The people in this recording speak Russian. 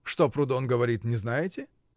— Что Прудон говорит: не знаете?